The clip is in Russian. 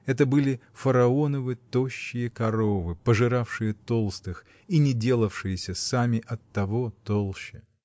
Это были фараоновы тощие коровы, пожиравшие толстых и не делавшиеся сами от того толще.